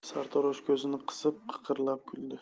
sartarosh ko'zini qisib qiqirlab kuldi